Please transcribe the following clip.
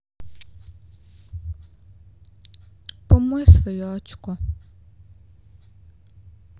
помой свое очко